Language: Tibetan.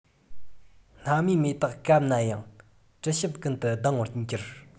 སྣ མའི མེ ཏོག བཀབ ན ཡང དྲི ཞིམ ཀུན ཏུ ལྡང བར འགྱུར